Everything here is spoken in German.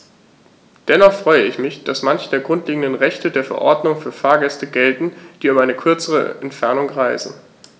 Dennoch freue ich mich, dass manche der grundlegenden Rechte der Verordnung für Fahrgäste gelten, die über eine kürzere Entfernung reisen.